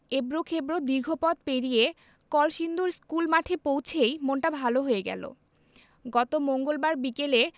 এবড়োখেবড়ো দীর্ঘ পথ পেরিয়ে কলসিন্দুর স্কুলমাঠে পৌঁছেই মনটা ভালো হয়ে গেল গত মঙ্গলবার বিকেলে